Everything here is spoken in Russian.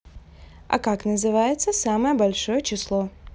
а как называется самое большое число